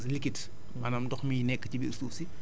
maanaam li siy dëgër ak une phase liquide